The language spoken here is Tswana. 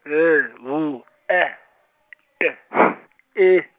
L W E T S E.